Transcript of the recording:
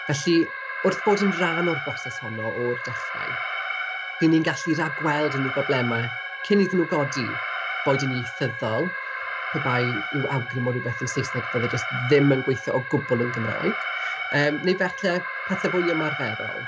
Felly wrth fod yn ran o'r broses honno o'r dechrau, 'y ni'n gallu ragweld unryw broblemau cyn iddyn nhw godi - boed yn ieithyddol, pe bai ryw awgrym o rywbeth yn Saesneg fyddai jyst ddim yn gweitho o gwbl yn Gymraeg, yym neu falle pethe fwy ymarferol.